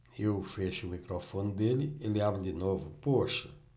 eu fecho o microfone dele ele abre de novo poxa